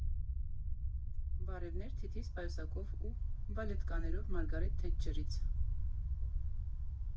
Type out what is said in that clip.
Բարևներ թիթիզ պայուսակով ու բալետկաներով Մարգարետ Թետչերից։